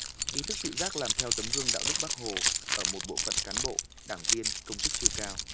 ý thức tự giác làm theo tấm gương đạo đức bác hồ ở một bộ phận cán bộ đảng viên công chức chưa cao